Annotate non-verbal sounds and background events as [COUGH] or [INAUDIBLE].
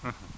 [HESITATION] [HESITATION]